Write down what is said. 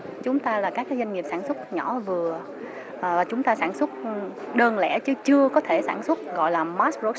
chúng ta là các cái doanh nghiệp sản xuất nhỏ vừa chúng ta sản xuất đơn lẻ chứ chưa có thể sản xuất gọi là mát rô